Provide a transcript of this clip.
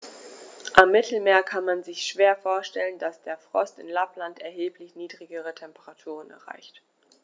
Am Mittelmeer kann man sich schwer vorstellen, dass der Frost in Lappland erheblich niedrigere Temperaturen erreicht.